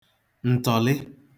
ǹtọ̀lị